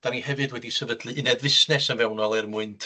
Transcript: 'dan ni hefyd wedi sefydlu uned fusnes yn fewnol er mwyn